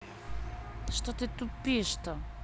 что тупишь то